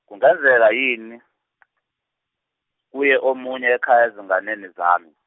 kungenzeka yini, kuye omunye ekhaya ezinganeni zami.